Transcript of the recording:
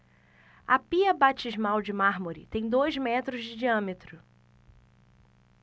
a pia batismal de mármore tem dois metros de diâmetro